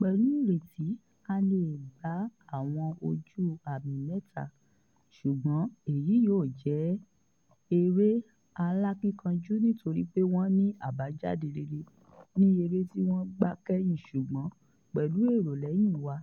Pẹ̀lú ìrètí, a lè gba àwọn ojú àmì mẹ́ta ṣùgbọ́n èyí yóò jẹ́ eré alákínkanjú nítorí pé wọ́n ní àbájáde rere ní eré tí wọ́n gbá kẹhìn ṣùgbọ́n, pẹ́lù èrò lẹ́hìn wa,